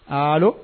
Aa